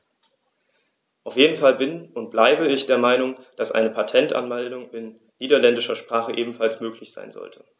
Auf jeden Fall bin - und bleibe - ich der Meinung, dass eine Patentanmeldung in niederländischer Sprache ebenfalls möglich sein sollte.